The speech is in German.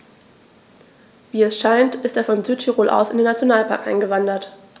Wie es scheint, ist er von Südtirol aus in den Nationalpark eingewandert.